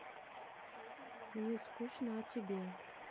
мне скучно а тебе